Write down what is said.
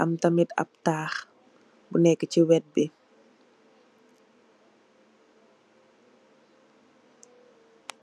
am tamin ab tahh bu neke se wett be.